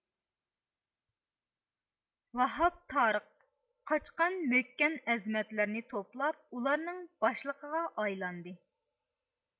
ۋاھاپ تارىخ قاچقان مۆككەن ئەزىمەتلەرنى توپلاپ ئۇلارنىڭ باشلىقىغا ئايلاندى